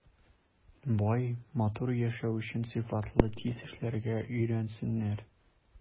Бай, матур яшәү өчен сыйфатлы, тиз эшләргә өйрәнсеннәр.